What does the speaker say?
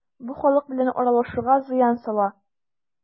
Бу халык белән аралашуга зыян сала.